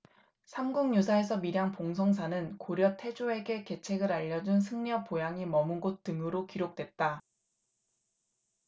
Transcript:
삼국유사에서 밀양 봉성사는 고려 태조에게 계책을 알려준 승려 보양이 머문 곳 등으로 기록됐다